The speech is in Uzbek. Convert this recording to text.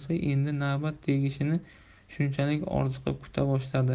endi navbat tegishini shunchalik orziqib kuta boshladi